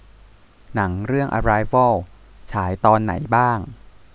หนังเรื่องอะไรวอลฉายตอนไหนบ้าง